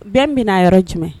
Bɛn bɛna yɔrɔ jumɛn